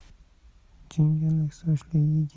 jingalak sochli yigit